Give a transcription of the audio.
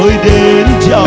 tôi